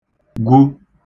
gwu